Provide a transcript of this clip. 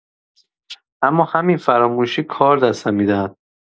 اما همین فراموشی کار دستم می‌دهد.